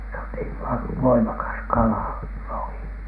se on niin - voimakas kala lohi